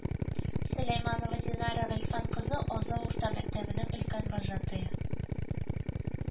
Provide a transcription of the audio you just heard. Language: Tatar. Сөләйманова Динара Гыйльфан кызы Азау урта мәктәбенең өлкән вожатые